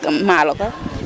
Kon maalo koy